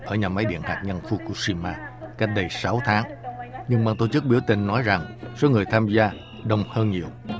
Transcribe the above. ở nhà máy điện hạt nhân phu cu si ma cách đây sáu tháng nhưng ban tổ chức biểu tình nói rằng số người tham gia đông hơn nhiều